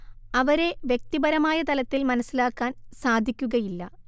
അവരെ വ്യക്തിപരമായ തലത്തിൽ മനസ്സിലാക്കാൻ സാധിക്കുകയില്ല